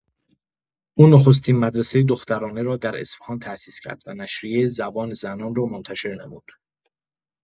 او نخستین مدرسه دخترانه را در اصفهان تأسیس کرد و نشریه «زبان زنان» را منتشر نمود؛